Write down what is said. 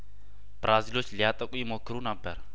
ብራዚሎች ሊያጠቁ ይሞክሩ ነበር